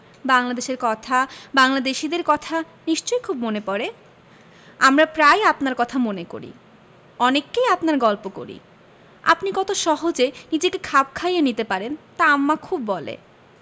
বাংলাদেশের কথা বাংলাদেশীদের কথা নিশ্চয় খুব মনে পরে আমরা প্রায়ই আপনারর কথা মনে করি অনেককেই আপনার গল্প করি আপনি কত সহজে নিজেকে খাপ খাইয়ে নিতে পারেন তা আম্মা খুব বলে